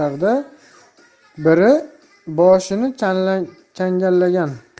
qator kursilarda biri boshini changallagan